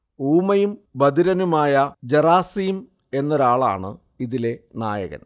ഊമയും ബധിരനുമായ ജറാസിം എന്നൊരാളാണ് ഇതിലെ നായകൻ